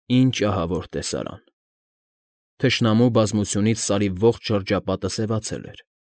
Ի՜նչ ահավոր տեսարան… Թշնամու բազմությունից Սարի ողջ շրջապատը սևացել էր։